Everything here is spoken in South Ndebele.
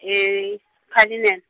e- Cullinan.